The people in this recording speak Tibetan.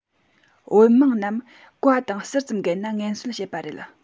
བོད དམངས རྣམས བཀའ དང ཟུར ཙམ འགལ ན ངན གསོད བྱེད པ རེད